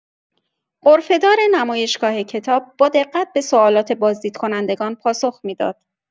غرفه‌دار نمایشگاه کتاب با دقت به سوالات بازدیدکنندگان پاسخ می‌داد.